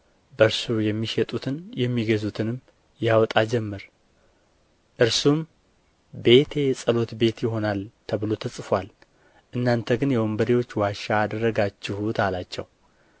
በእርሱ የሚሸጡትን የሚገዙትንም ያወጣ ጀመር እርሱም ቤቴ የጸሎት ቤት ይሆናል ተብሎ ተጽፎአል እናንተ ግን የወንበዴዎች ዋሻ አደረጋችሁት አላቸው